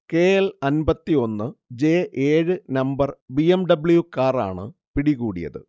കെഎൽ-അന്‍പത്തിയൊന്ന് - J ഏഴ് number B. M. W കാറാണ് പിടികൂടിയത്